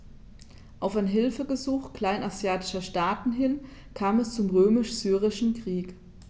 Auf ein Hilfegesuch kleinasiatischer Staaten hin kam es zum Römisch-Syrischen Krieg.